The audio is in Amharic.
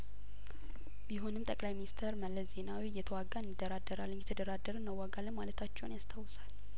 ቢሆንም ጠቅላይ ሚኒስተር መለስ ዜናዊ እየተዋጋን እንደራደ ራለን እየተደራደርን እንዋጋለን ማለታቸውን ያስታውሳል